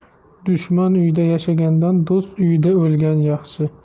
dushman uyida yashagandan do'st uyida o'lgan yaxshi